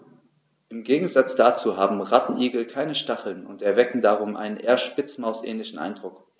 Im Gegensatz dazu haben Rattenigel keine Stacheln und erwecken darum einen eher Spitzmaus-ähnlichen Eindruck.